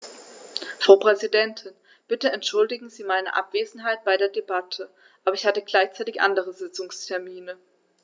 Frau Präsidentin, bitte entschuldigen Sie meine Abwesenheit bei der Debatte, aber ich hatte gleichzeitig andere Sitzungstermine.